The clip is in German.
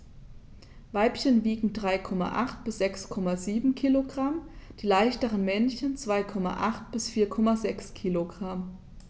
Weibchen wiegen 3,8 bis 6,7 kg, die leichteren Männchen 2,8 bis 4,6 kg.